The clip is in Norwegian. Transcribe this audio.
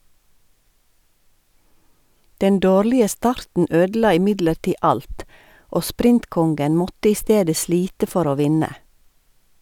Den dårlige starten ødela imidlertid alt, og sprintkongen måtte i stedet slite for å vinne.